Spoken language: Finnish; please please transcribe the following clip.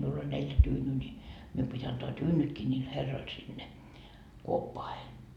minulla oli neljä tyynyä niin minun piti antaa tyynytkin niille herroille sinne kuoppaan